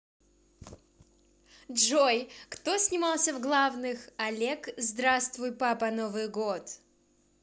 джой кто снимался в главных олег здравствуй папа новый год